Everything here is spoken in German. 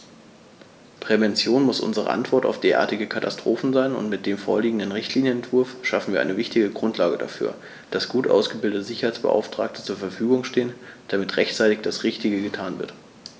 Prävention muss unsere Antwort auf derartige Katastrophen sein, und mit dem vorliegenden Richtlinienentwurf schaffen wir eine wichtige Grundlage dafür, dass gut ausgebildete Sicherheitsbeauftragte zur Verfügung stehen, damit rechtzeitig das Richtige getan wird.